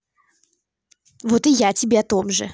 вот я тебе о том же